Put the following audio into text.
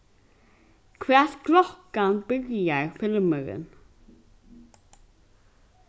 hvat klokkan byrjar filmurin